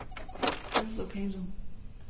Das ist ok so.